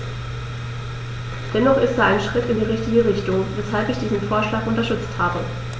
Dennoch ist er ein Schritt in die richtige Richtung, weshalb ich diesen Vorschlag unterstützt habe.